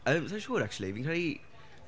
Yy sa i'n siwr actually. Fi'n credu...